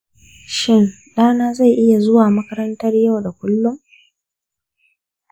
shin ɗana zai iya zuwa makarantar yau da kullum